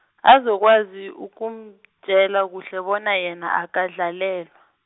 azokwazi ukumtjela kuhle bona yena akadlalelwa.